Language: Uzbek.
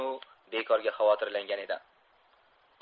u bekorga xavotirlangan edi